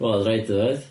Wel o'dd raid o oedd?